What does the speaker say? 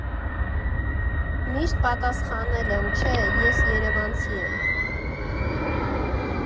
Միշտ պատասխանել եմ, չէ, ես երևանցի եմ։